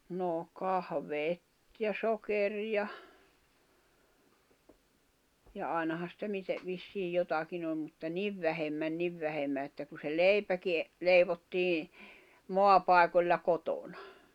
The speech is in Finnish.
no kahvit ja sokeria ja ainahan sitä miten vissiin jotakin oli mutta niin vähemmän niin vähemmän että kun se leipäkin leivottiin maapaikoilla kotona